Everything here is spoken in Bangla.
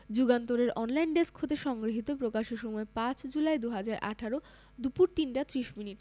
যুগান্তর এর অনলাইন ডেস্ক হতে সংগৃহীত প্রকাশের সময় ৫ জুলাই ২০১৮ দুপুর ৩টা ৩০ মিনিট